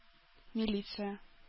Милиция